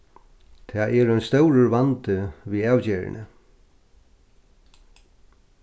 tað er ein stórur vandi við avgerðini